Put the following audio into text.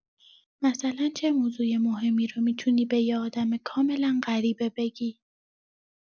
مثلا چه موضوع مهمی رو می‌تونی به یه آدم کاملا غریبه بگی؟